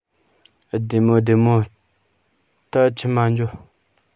བདེ མོ བདེ མོ ད ཁྱིམ མ འགྱོ